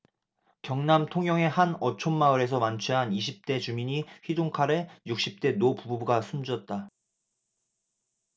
경남 통영의 한 어촌마을에서 만취한 이십 대 주민이 휘둔 칼에 육십 대 노부부가 숨졌다